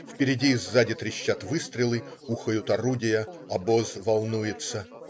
Впереди и сзади трещат выстрелы, ухают орудия. Обоз волнуется.